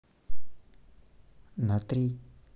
на три